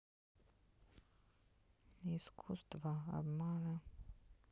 искусство обмана